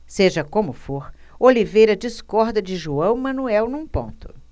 seja como for oliveira discorda de joão manuel num ponto